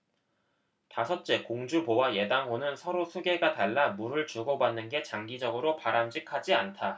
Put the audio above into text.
다섯째 공주보와 예당호는 서로 수계가 달라 물을 주고받는 게 장기적으로 바람직하지 않다